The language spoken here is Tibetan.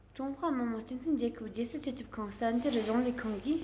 ཀྲུང ཧྭ མི དམངས སྤྱི མཐུན རྒྱལ ཁབ རྒྱལ སྲིད སྤྱི ཁྱབ ཁང གསར འགྱུར གཞུང ལས ཁང གིས